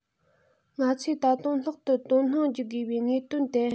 ང ཚོས ད དུང ལྷག ཏུ དོ སྣང བགྱི དགོས པའི དངོས དོན ཏེ